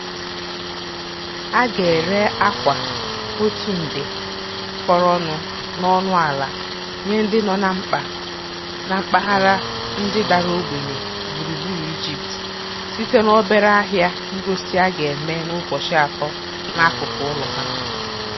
A ga-ere akwa otu nde fọrọ nụ n'ọnụala nye ndị nọ na mkpa na mpaghara ndị dara ogbenye gburugburu Egypt site n'obere ahịa ngosi a ga-eme n'ụbọchị 3 n'akụkụ ụlọ ha.